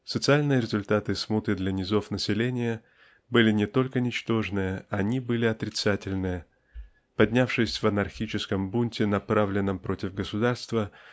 Социальные результаты смуты для низов населения были не только ничтожные они были отрицательные Поднявшись в анархическом бунте направленном против государства